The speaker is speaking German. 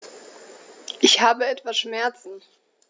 Ich habe etwas Schmerzen.